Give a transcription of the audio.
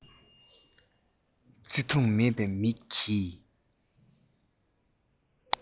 བརྩེ དུང མེད པར མིག གིས